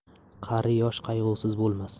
qari yosh qayg'usiz bo'lmas